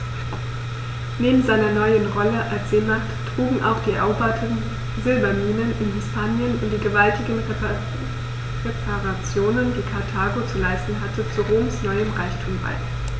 Neben seiner neuen Rolle als Seemacht trugen auch die eroberten Silberminen in Hispanien und die gewaltigen Reparationen, die Karthago zu leisten hatte, zu Roms neuem Reichtum bei.